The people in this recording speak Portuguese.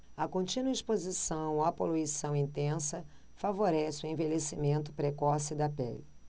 a contínua exposição à poluição intensa favorece o envelhecimento precoce da pele